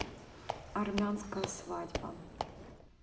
армянская свадьба